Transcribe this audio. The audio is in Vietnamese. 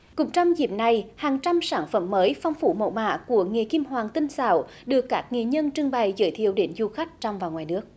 cũng trong dịp này hàng trăm sản phẩm mới phong phú mẫu mã của nghề kim hoàng tinh xảo được các nghệ nhân trưng bày giới thiệu đến du khách trong và ngoài nước